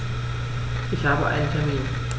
Ich habe einen Termin.